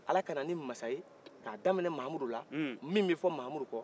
ala kan ni masa ye ka daminɛ mamudu la min bɛ fo mamudu kɔ